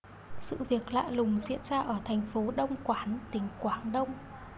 sự việc lạ lùng diễn ra ở thành phố đông quản tỉnh quảng đông